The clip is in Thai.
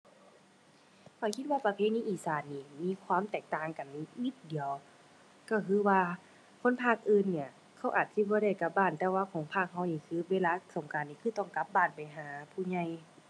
ข้อยคิดว่าประเพณีอีสานนี้มีความแตกต่างกันนิดเดียว ก็คือว่า คนภาคอื่นเนี่ยเขาอาจสิบ่ได้กลับบ้านแต่ว่าของภาคก็นี่คือ เวลาสงกรานต์นี่คือต้องกลับบ้านไปหาผู้ใหญ่